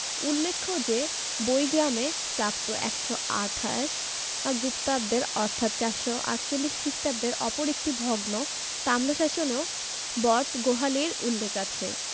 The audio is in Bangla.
উল্লেখ্য যে বৈগ্রামে প্রাপ্ত ১২৮ গুপ্তাব্দের অর্থাৎ ৪৪৮ খ্রিস্টাব্দের অপর একটি ভগ্ন তাম্রশাসনেও বটগোহালীর উল্লেখ আছে